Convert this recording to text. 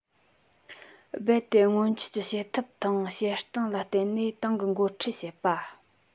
རྦད དེ སྔོན ཆད ཀྱི བྱེད ཐབས དང བྱེད སྟངས ལ བརྟེན ནས ཏང གི འགོ ཁྲིད བྱེད པ